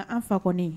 An fa kɔnɔ